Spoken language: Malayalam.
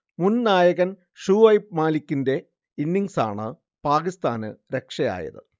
മുൻ നായകൻ ഷുഐബ് മാലിക്കിന്റെ ഇന്നിങ്സാണ് പാകിസ്താന് രക്ഷയായത്